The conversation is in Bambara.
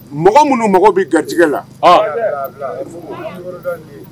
Mɔgɔ minnu mago bɛ garijɛgɛ la